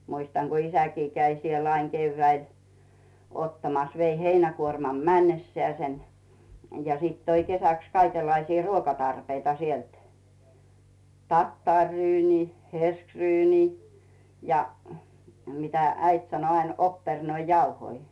muistan kun isäkin kävi siellä aina keväällä ottamassa vei heinäkuorman mennessään ja sitten toi kesäksi kaikenlaisia ruokatarpeita sieltä tattariryyniä hirssiryyniä ja mitä äiti sanoi aina oppernoijauhoja